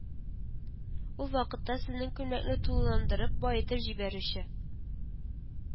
Ук вакытта сезнең күлмәкне тулыландырып, баетып җибәрүче